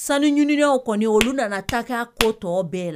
Sanu ɲininaw kɔni olu nana ta k'a ko tɔ bɛɛ la.